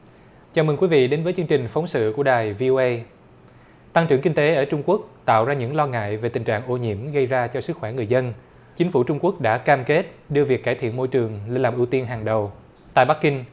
chào mừng quý vị đến với chương trình phóng sự của đài vi âu ây tăng trưởng kinh tế ở trung quốc tạo ra những lo ngại về tình trạng ô nhiễm gây ra cho sức khỏe người dân chính phủ trung quốc đã cam kết đưa việc cải thiện môi trường lên làm ưu tiên hàng đầu tại bắc kinh